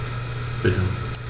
Bitte.